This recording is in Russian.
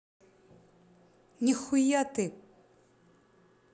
нихуя ты